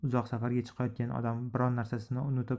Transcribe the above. uzoq safarga chiqayotgan odam biron narsasini unutib